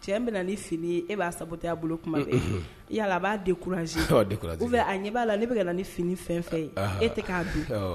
Cɛ bɛna ni fini e b'a bolo kuma yala a b'a deuran a ɲɛ'a la ne bɛka na ni fini fɛn fɛ ye e tɛ k'a bi